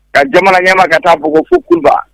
Ka jamana ɲɛma ka taa npogo fo kunba